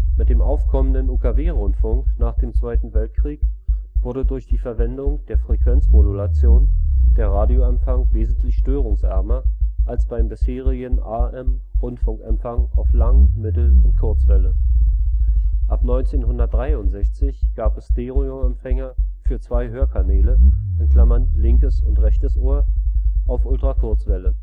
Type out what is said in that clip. Mit dem aufkommdenden UKW-Rundfunk nach dem Zweiten Weltkrieg wurde durch die Verwendung der Frequenzmodulation der Radioempfang wesentlich störungsärmer als beim bisherigen AM-Rundfunkempfang auf Lang -, Mittel - und Kurzwelle. Ab 1963 gab es Stereoempfänger für zwei Hörkanäle (linkes und rechtes Ohr) auf Ultrakurzwelle